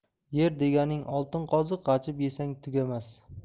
yer deganing oltin qoziq g'ajib yesang tugamas